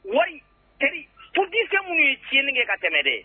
Wari teri fodite minnu ye tiɲɛɲɛnni kɛ ka tɛmɛ de